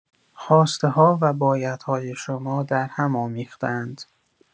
خواسته‌ها و بایدهای شما درهم آمیخته‌اند.